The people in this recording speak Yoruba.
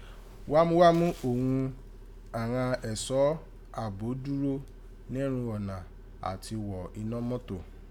gwamugwamu òghun àghan ẹ̀sọ aabo dúro nẹrun ọ̀nà à ti wọ̀ inọ́ mátò.